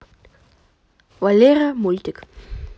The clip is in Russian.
валера мультик